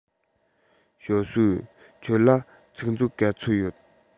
ཞའོ སུའུ ཁྱོད ལ ཚིག མཛོད ག ཚོད ཡོད